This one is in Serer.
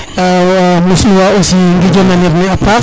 mosnuwa aussi ngijo nanir ne a paax